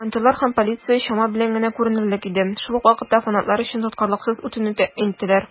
Волонтерлар һәм полиция чама белән генә күренерлек иде, шул ук вакытта фанатлар өчен тоткарлыксыз үтүне тәэмин иттеләр.